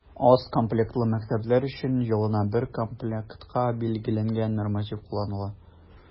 Аз комплектлы мәктәпләр өчен елына бер комплектка билгеләнгән норматив кулланыла.